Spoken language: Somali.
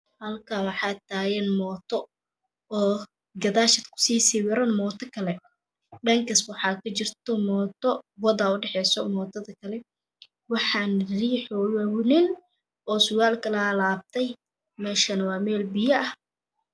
Halkaan waxaa taagan mooto oo gadaasheed kusii sawiran mooto kale dhankas waxaa ka jirto mooto wadaa u dhaxayso wadakale waxaana riixoyo wiilal oo surwalka laa laabtay meeshana waa meel biyo ah